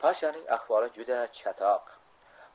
pashaning ahvoli juda chatoq